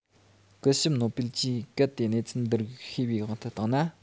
སྐུ ཞབས ནོ པེལ གྱིས གལ ཏེ གནས ཚུལ འདི རིགས ཤེས པའི དབང དུ བཏང ན